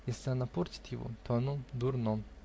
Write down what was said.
если она портит его, то оно дурно.